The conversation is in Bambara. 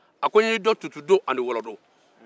a ko n y'i dɔn tutudo ani wolɔdo